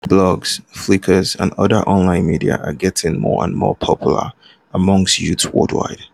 Blogs, Flickr and other online media are getting more and more popular among youth worldwide.